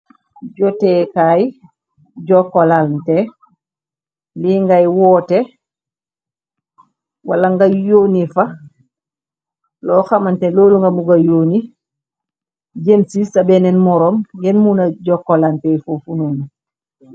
Joteekaay jokkolante li ngay woote wala nga yóoni fa loo xamante loolu nga buga yooni jém ci ca benneen moroom yen mu na jokkolante fu funonu.